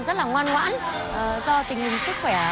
rất là ngoan ngoãn do tình